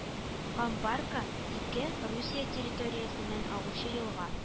Камбарка-ике Русия территориясеннән агучы елга